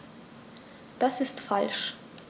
Das ist falsch.